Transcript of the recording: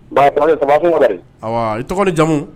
Ba baba i tɔgɔ ni jamumu